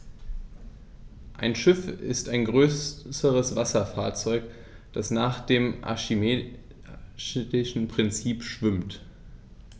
Ein Schiff ist ein größeres Wasserfahrzeug, das nach dem archimedischen Prinzip schwimmt.